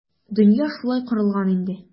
Дөнья шулай корылган инде.